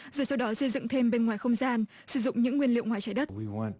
rồi sau đó xây dựng thêm bên ngoài không gian sử dụng những nguyên liệu ngoài trái đất